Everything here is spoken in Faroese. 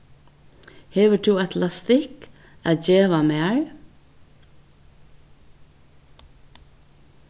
hevur tú eitt lastikk at geva mær